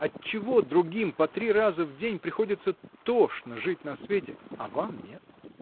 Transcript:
Отчего другим по три раза в день приходится тошно жить на свете, а вам нет?